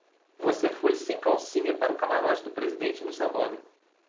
você foi sem calcinha para o camarote do presidente no sambódromo